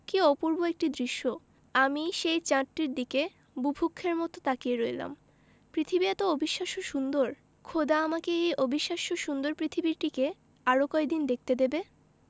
কী অপূর্ব একটি দৃশ্য আমি সেই চাঁদটির দিকে বুভুক্ষের মতো তাকিয়ে রইলাম পৃথিবী এতো অবিশ্বাস্য সুন্দর খোদা আমাকে এই অবিশ্বাস্য সুন্দর পৃথিবীটিকে আরো কয়দিন দেখতে দেবে